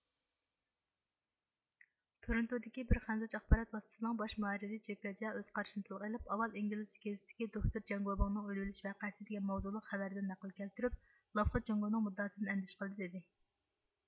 تۇرۇنتۇدىكى بىر خەنزۇچە ئاخبارات ۋاسىتىسىنىڭ باش مۇھەررىرى جېكېجىيا ئۆز قارىشىنى تىلغا ئېلىپ ئاۋۋال ئىنگلىزچە گېزىتتىكى دوكتور جياڭگوبىڭنىڭ ئۆلۈۋېلىش ۋەقەسى دېگەن ماۋزۇلۇق خەۋەردىن نەقىل كەلتۈرۈپ لافخىد جۇڭگونىڭ مۇددىئاسىدىن ئەندىشە قىلدى دېدى